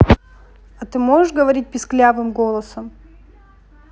а ты можешь говорить писклявым голосом